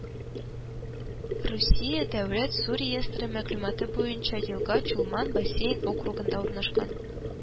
Русия дәүләт су реестры мәгълүматы буенча елга Чулман бассейн округында урнашкан